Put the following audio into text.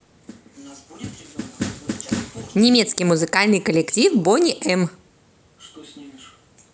немецкий музыкальный коллектив boney m